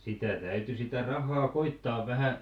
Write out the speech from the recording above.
sitä täytyi sitä rahaa koettaa vähän